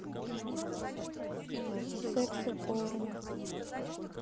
секс и порно